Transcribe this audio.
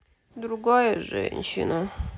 другая женщина